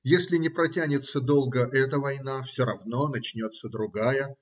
Если не протянется долго эта война, все равно, начнется другая.